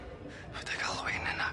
Paid â galw hi'n hynna.